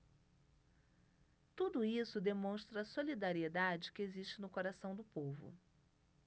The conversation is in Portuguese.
tudo isso demonstra a solidariedade que existe no coração do povo